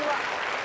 ạ